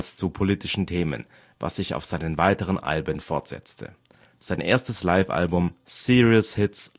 zu politischen Themen, was sich auf seinen weiteren Alben fortsetzte. Sein erstes Live-Album Serious Hits